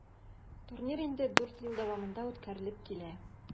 Турнир инде 10 ел дәвамында үткәрелеп килә.